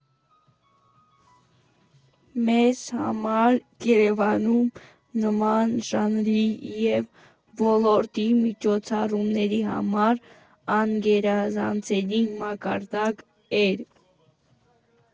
Մեզ համար Երևանում նման ժանրի և ոլորտի միջոցառումների համար անգերազանցելի մակարդակ էր։